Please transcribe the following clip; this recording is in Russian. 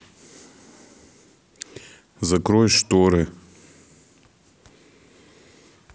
закрой шторы